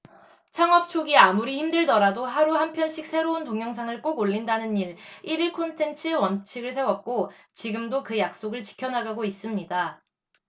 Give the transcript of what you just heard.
창업 초기 아무리 힘들더라도 하루 한 편씩 새로운 동영상을 꼭 올린다는 일 일 일 콘텐트 원칙을 세웠고 지금도 그 약속을 지켜나가고 있습니다